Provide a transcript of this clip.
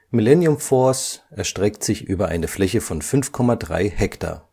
Millennium Force erstreckt sich über eine Fläche von 5,3 Hektar